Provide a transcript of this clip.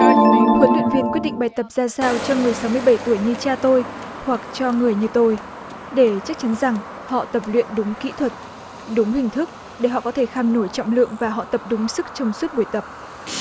huấn luyện viên quyết định bài tập ra sao cho người sáu mươi bảy tuổi như cha tôi hoặc cho người như tôi để chắc chắn rằng họ tập luyện đúng kỹ thuật đúng hình thức để họ có thể kham nổi trọng lượng và họ tập đúng sức trong suốt buổi tập